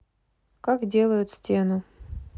как делают стену